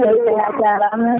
mi salminii ma a jaaraama